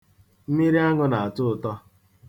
Mmiriaṅụ na-atọ ụtọ.